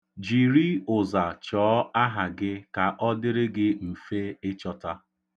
Jiri ụza chọọ aha gị ka ọ dịrị gị mfe ịchọta.